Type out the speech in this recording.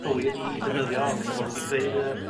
cywir i i ddefnyddio ond 'ella bo' fi 'di creu yy